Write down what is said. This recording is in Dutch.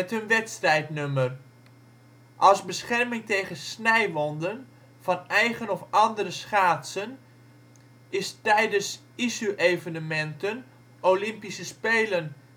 hun wedstrijdnummer. Als bescherming tegen snijwonden, van eigen of andere schaatsen, is tijdens ISU-evenementen, Olympische Spelen